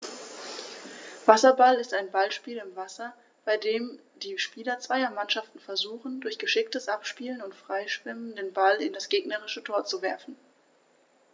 Wasserball ist ein Ballspiel im Wasser, bei dem die Spieler zweier Mannschaften versuchen, durch geschicktes Abspielen und Freischwimmen den Ball in das gegnerische Tor zu werfen.